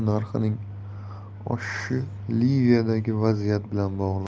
liviyadagi vaziyat bilan bog'liq